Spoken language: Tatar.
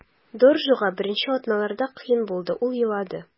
Доржуга беренче атналарда кыен булды, ул елады.